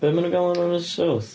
Be man nhw'n galw nhw yn y south?